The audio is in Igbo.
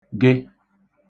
gị